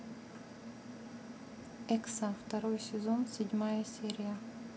экса второй сезон седьмая серия